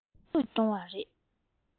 ཡིག རྒྱུགས སྦྱོང བ རེད